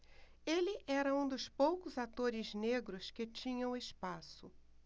ele era um dos poucos atores negros que tinham espaço